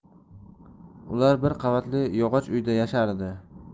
ular bir qavatli yog'och uyda yashardi